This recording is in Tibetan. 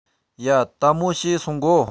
ཡ དལ མོ བྱོས སོང གོ